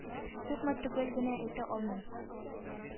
Юкмы, төгәл генә әйтә алмыйм.